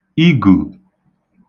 igù